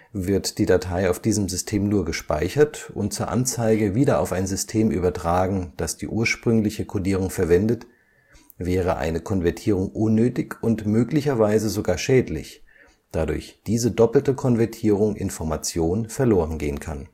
Wird die Datei auf diesem System nur gespeichert und zur Anzeige wieder auf ein System übertragen, das die ursprüngliche Codierung verwendet, wäre eine Konvertierung unnötig und möglicherweise sogar schädlich, da durch diese doppelte Konvertierung Information verloren gehen kann